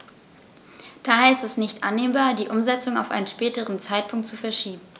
Daher ist es nicht annehmbar, die Umsetzung auf einen späteren Zeitpunkt zu verschieben.